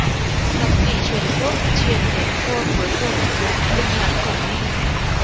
ngọc tỷ truyền quốc truyền đến vua cuối cùng nhà thanh là phổ nghi